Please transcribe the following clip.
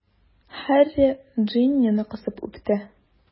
Һарри Джиннины кысып үпте.